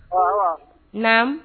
Ɔ Awa? Naamu.